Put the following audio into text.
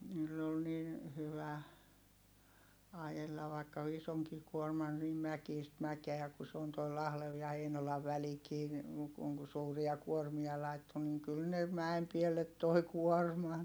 niillä oli niin hyvä ajella vaikka isonkin kuorman niin mäkistä mäkeä kun se on tuo Lahden ja Heinolan välikin niin kun kun suuria kuormia laittoi niin kyllä ne mäen päälle toi kuorman